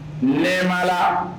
Nema la